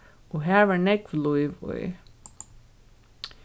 og har var nógv lív í